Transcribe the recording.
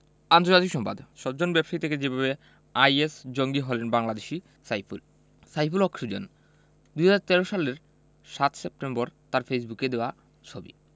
আন্তর্জাতিক সংবাদ সজ্জন ব্যবসায়ী থেকে যেভাবে আইএস জঙ্গি হলেন বাংলাদেশি সাইফুল সাইফুল হক সুজন ২০১৩ সালের ৭ সেপ্টেম্বর তাঁর ফেসবুকে দেওয়া ছবি